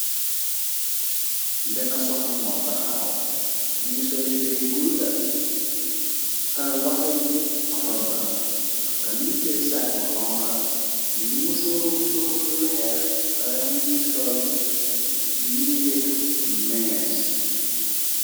Benna soxnamoo taxaaw mingi sol yi rëy guuda ta loxa yi robala te mitee sagg bu xonga gi msormusooru bu weex te amna ñi sol mi ngi létu mees.